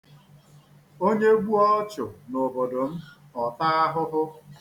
Onye gbuo ọchụ n'obodo m, ọ taa ahụhụ.